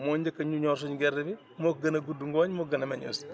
moo njëkka ñor suñ gerte bi moo ko gën a gudd ngooñ moo ko gën a meññ aussi